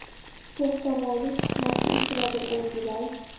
to'xtavoyim tuhmatga uchradi o'rgilay